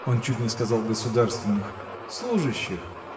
(он чуть не сказал: государственных) служащих